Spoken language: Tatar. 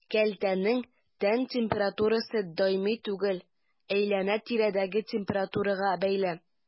Кәлтәнең тән температурасы даими түгел, әйләнә-тирәдәге температурага бәйле.